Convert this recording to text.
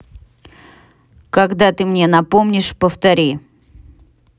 когда ты мне напомнишь повтори